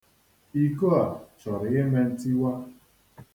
Iko a chọrọ ime ntiwa.